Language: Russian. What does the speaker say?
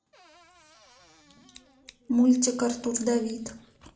мультик артур давид